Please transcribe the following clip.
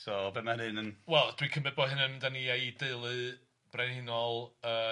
So, be ma' hynny'n yn- Wel dwi'n cymryd bod hunna'n mynd â ni a'i deulu brenhinol yy